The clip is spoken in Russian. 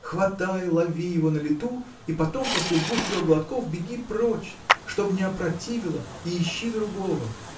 Хватай, лови его на лету и потом, после двух-трех глотков, беги прочь, чтоб не опротивело, и ищи другого!